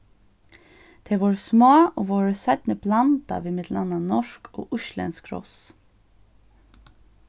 tey vóru smá og vórðu seinni blandað við millum annað norsk og íslendsk ross